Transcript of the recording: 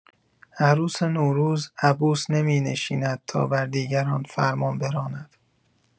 عروس نوروز، عبوس نمی‌نشیند تا بر دیگران فرمان براند.